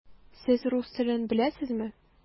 Сез рус телен беләсезме?